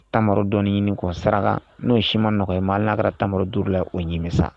Tama dɔn ɲini sara n'o sima nɔgɔma n lara tan duuru la o ɲɛmi sa